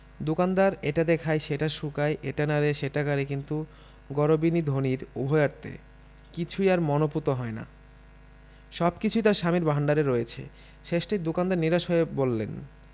দোকানদার এটা দেখায় সেটা শোঁকায় এটা নাড়ে সেটা কাড়ে কিন্তু গরবিনী ধনীর উভয়ার্থে কিছুই আর মনঃপূত হয় না সবকিছুই তার স্বামীর ভাণ্ডারে রয়েছে শেষটায় দোকানদার নিরাশ হয়ে বললে